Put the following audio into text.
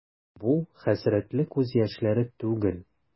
Бу хәсрәтле күз яшьләре түгел.